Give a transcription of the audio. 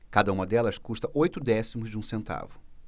cada uma delas custa oito décimos de um centavo